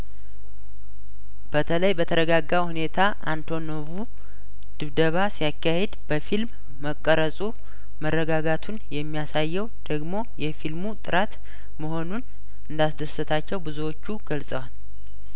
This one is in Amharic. በተለይ በተረጋጋ ሁኔታ አንቶኖቩ ድብደባ ሲያካሂድ በፊልም መቀረጹ መረጋጋቱን የሚያሳየው ደግሞ የፊልሙ ጥራት መሆኑን እንዳስደሰታቸው ብዙዎቹ ገልጸዋል